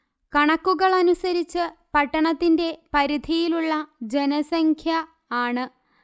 കണക്കുകളനുസരിച്ച് പട്ടണത്തിൻറെ പരിധിയിലുള്ള ജനസംഖ്യ ആണ്